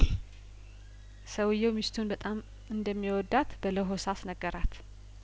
ሰውዬው ሚስቱን በጣም እንደሚወዳት በለሆሳ ስነገራት